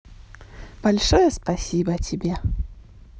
большое спасибо тебе